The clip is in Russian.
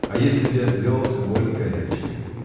А если б я сделался болен горячкой?